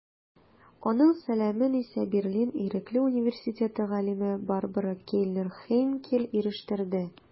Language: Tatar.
Аның сәламен исә Берлин Ирекле университеты галиме Барбара Кельнер-Хейнкель ирештерде.